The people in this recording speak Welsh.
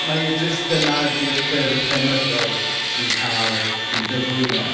Mae e jyst dyna ydy'r ffurff llenyddol sy'n cael ei gyflwyno.